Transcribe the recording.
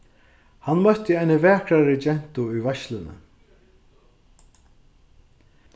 hann møtti eini vakrari gentu í veitsluni